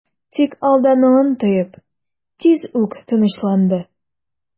Тик алдануын тоеп, тиз үк тынычланды...